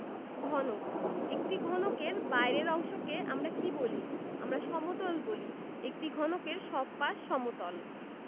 ঘনকঃ একটি ঘনকের বাইরের অংশকে আমরা কী বলি আমরা সমতল বলি একটি ঘনকের সব পাশ সমতল